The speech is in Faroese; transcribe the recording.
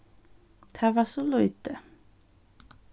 tað var so lítið